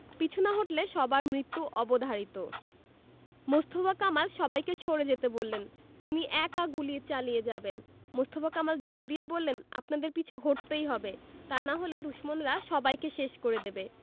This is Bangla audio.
পিছু না হটলে সবার মৃত্যু অবধারিত মোস্তফা কামাল সবাইকে সরে যেতে বললেন তিনি একা গুলি চালিয়ে যাবেন মোস্তফা কামাল জোর দিয়ে বললেন আপনাদের পিছু হটতেই হবে তা না হলে দুশমনরা সবাইকে শেষ করে দেবে